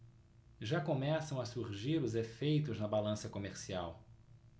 já começam a surgir os efeitos na balança comercial